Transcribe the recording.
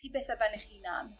chi byth ar ben 'ych hunan.